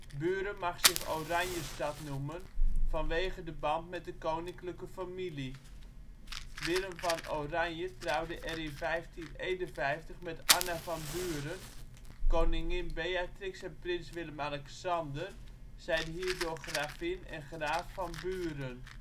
Buren mag zich Oranjestad noemen, vanwege de band met de koninklijke familie. Willem van Oranje trouwde er in 1551 met Anna van Buren. Koningin Beatrix en prins Willem-Alexander zijn hierdoor gravin en graaf van Buren